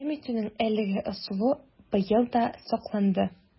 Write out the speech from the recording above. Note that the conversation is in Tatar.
Ярдәм итүнең әлеге ысулы быел да сакланды: